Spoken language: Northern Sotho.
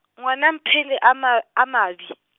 ngwana Mphele a ma, a Mabje.